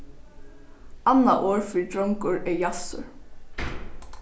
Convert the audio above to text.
annað orð fyri drongur er jassur